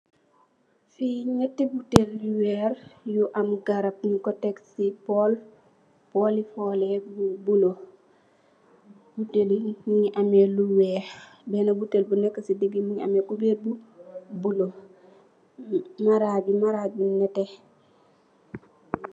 Li ñetti butèèl yu wèèr yu am garap ñing ko tèk bóól, bóóli foleh bu bula, Butèèl yi ñu ngi ameh lu wèèx benna butèèl bu nekka ci diga mugii ameh kulor bu bula. Maraj bi maraj bu netteh.